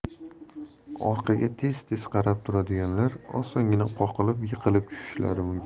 orqaga tez tez qarab turadiganlar osongina qoqilib yiqilib tushishlari mumkin